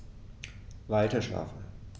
Weiterschlafen.